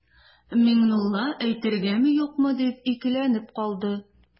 Миңнулла әйтергәме-юкмы дип икеләнеп калды.